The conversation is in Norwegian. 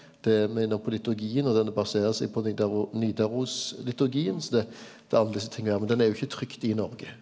det me er nå på liturgien og den baserer seg på Nidarosliturgien så det det er alle desse tinga her, men den er jo ikkje trykt i Noreg.